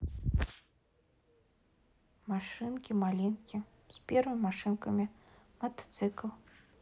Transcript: машинки малинки с первыми машинками мотоцикл